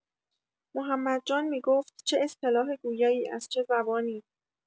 محمد جان می‌گفت چه اصطلاح گویایی از چه زبانی